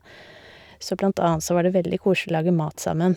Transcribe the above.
Så blant annet så var det veldig koselig å lage mat sammen.